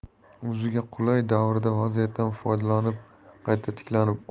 o'ziga qulay davrda vaziyatdan foydalanib qayta tiklanib